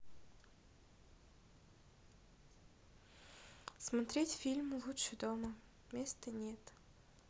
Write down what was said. смотреть фильм лучше дома места нет